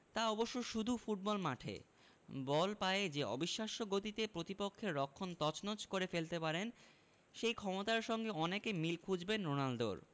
তা অবশ্য শুধু ফুটবল মাঠে বল পায়ে যে অবিশ্বাস্য গতিতে প্রতিপক্ষের রক্ষণ তছনছ করে ফেলতে পারেন সেই ক্ষমতার সঙ্গে অনেকে মিল খুঁজবেন রোনালদোর